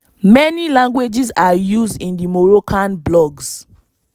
Many languages are used in the Moroccan blogs.